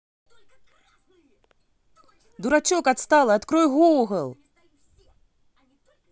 дурачок отсталый открой google